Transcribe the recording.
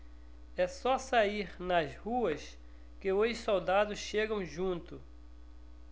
é só sair nas ruas que os soldados chegam junto